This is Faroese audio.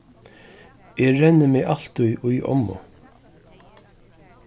eg renni meg altíð í ommu